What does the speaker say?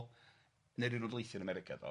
'n yr Unol Daliaethau yn America do.